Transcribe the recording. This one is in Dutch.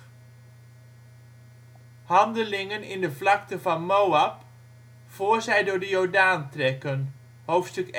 Handelingen in de vlakte van Moab voor zij door de Jordaan trekken. (Hoofdstuk